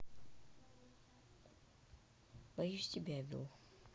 боюсь тебя бил